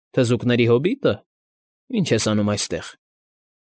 Թզուկների հոբիր՞տը։ Ի՞նչ ես անում այստեղ։